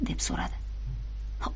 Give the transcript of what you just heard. deb so'radi